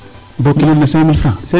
Bo kilo ne cinq mille francs?